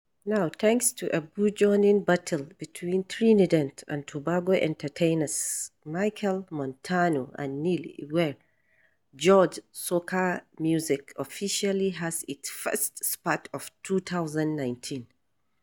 Now, thanks to a burgeoning battle between Trinidad and Tobago entertainers Machel Montano and Neil “Iwer” George, soca music officially has its first spat of 2019.